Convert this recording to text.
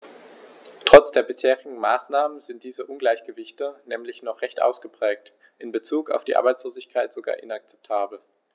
Trotz der bisherigen Maßnahmen sind diese Ungleichgewichte nämlich noch recht ausgeprägt, in bezug auf die Arbeitslosigkeit sogar inakzeptabel.